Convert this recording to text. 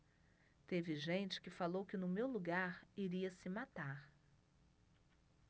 teve gente que falou que no meu lugar iria se matar